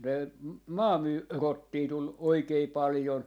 ne -- rottia tuli oikein paljon